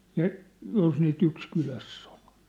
ja jos niitä yksi kylässä oli